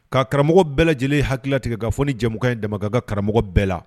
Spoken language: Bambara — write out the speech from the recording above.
Ka karamɔgɔ bɛɛ lajɛlen hakilillatigɛ k'a fɔ ni jɛmukan in dama ka kan karamɔgɔ bɛɛ la.